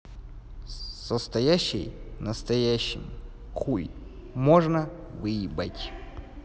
состоящий в настоящем хуй можно выебать